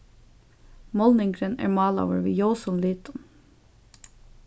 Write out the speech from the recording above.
málningurin er málaður við ljósum litum